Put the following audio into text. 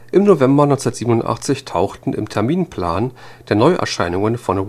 Im November 1987 tauchte im Terminplan der Neuerscheinungen von